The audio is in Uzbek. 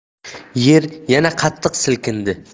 yer yana qattiq silkindi